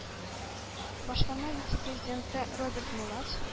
Башкарма вице-президенты роберт мулац